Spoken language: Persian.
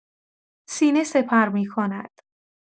سینه سپر می‌کند.